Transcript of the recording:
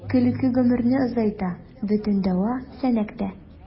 Көлке гомерне озайта — бөтен дәва “Сәнәк”тә.